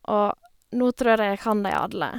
Og nå tror jeg jeg kan dem alle.